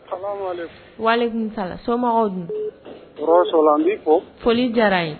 Salam alekum. Walaekum salam somɔgɔw dun, n b'i fo. Foli diyara ye